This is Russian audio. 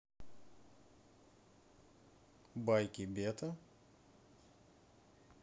байки бета